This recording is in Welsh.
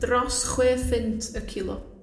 dros chwe phunt y kilo.